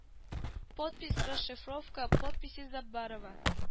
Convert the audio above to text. Подпись расшифровка подписи заббарова